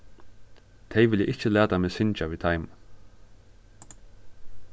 tey vilja ikki lata meg syngja við teimum